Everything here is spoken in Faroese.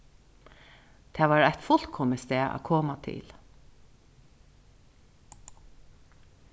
tað var eitt fullkomið stað at koma til